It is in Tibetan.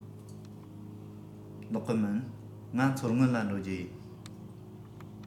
ལོག གི མིན ང མཚོ སྔོན ལ འགྲོ རྒྱུ ཡིན